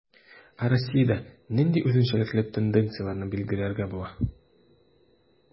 Ә Россиядә нинди үзенчәлекле тенденцияләрне билгеләргә була?